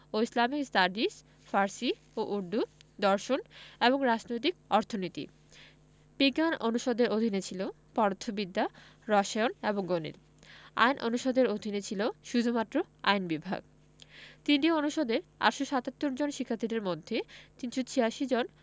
ও Islamic studies Farsi ও উর্দু দর্শন এবং রাজনৈতিক অর্থনীতি বিজ্ঞান অনুষদের অধীনে ছিল পদার্থবিদ্যা রসায়ন এবং গণিত আইন অনুষদের অধীনে ছিল শুধুমাত্র আইন বিভাগ ৩টি অনুষদের ৮৭৭ জন শিক্ষার্থীদের মধ্যে ৩৮৬ জন